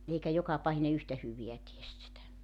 eikä jokapahinen yhtä hyvää tee sitä